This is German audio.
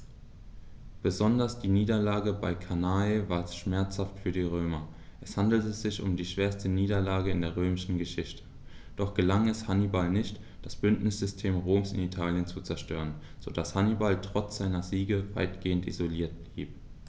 Besonders die Niederlage bei Cannae war schmerzhaft für die Römer: Es handelte sich um die schwerste Niederlage in der römischen Geschichte, doch gelang es Hannibal nicht, das Bündnissystem Roms in Italien zu zerstören, sodass Hannibal trotz seiner Siege weitgehend isoliert blieb.